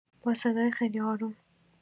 با صدای خیلی آروم